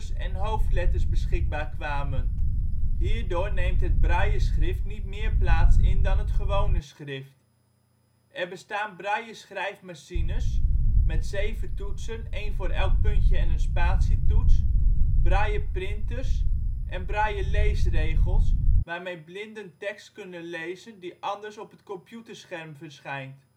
en hoofdletters beschikbaar kwamen. Hierdoor neemt het brailleschift niet meer plaats in dan het gewone schrift. Er bestaan braille-schrijfmachines (met 7 toetsen, 1 voor elk puntje en een spatietoets), braille-printers, en brailleleesregels (waarmee blinden tekst kunnen lezen die anders op het computerscherm verschijnt